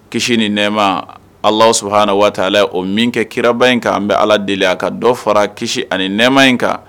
Kisi ni nɛma ala suhaana waati ale o min kɛ kiraba in kan an bɛ ala deli a ka dɔ fara kisi ani nɛma in kan